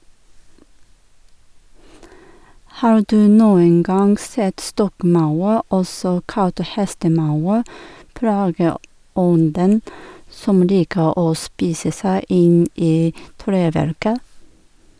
Har du noen gang sett stokkmaur, også kalt hestemaur, plageånden som liker å spise seg inn i treverket?